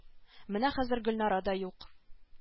Менә хәзер гөлнара да юк